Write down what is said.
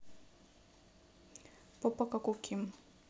попа как у ким